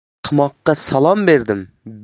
ahmoqqa salom berdim